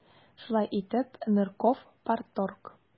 Шулай итеп, Нырков - парторг.